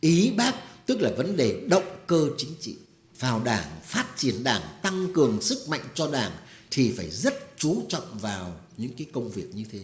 ý bác tức là vấn đề động cơ chính trị vào đảng phát triển đảng tăng cường sức mạnh cho đảng thì phải rất chú trọng vào những cái công việc như thế